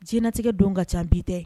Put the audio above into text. Jinɛinɛtigɛ don ka ca bi tɛ